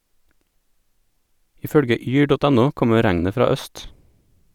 I følge yr.no kommer regnet fra øst.